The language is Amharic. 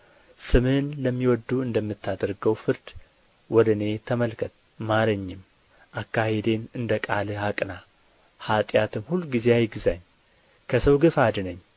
ስምህን ለሚወድዱ እንድምታደርገው ፍርድ ወደ እኔ ተመልከተ ማረኝም አካሄድን እንደ ቃልህ አቅና ኃጢአትም ሁሉ አይግዛኝ ከሰው ግፍ አድነኝ